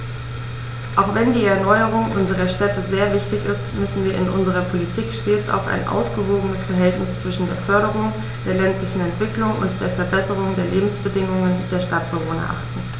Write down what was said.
Auch wenn die Erneuerung unserer Städte sehr wichtig ist, müssen wir in unserer Politik stets auf ein ausgewogenes Verhältnis zwischen der Förderung der ländlichen Entwicklung und der Verbesserung der Lebensbedingungen der Stadtbewohner achten.